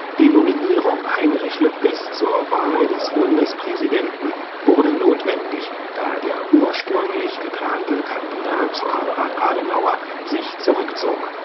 Die Nominierung Heinrich Lübkes zur Wahl des Bundespräsidenten wurde notwendig, da der ursprünglich geplante Kandidat Konrad Adenauer sich zurückzog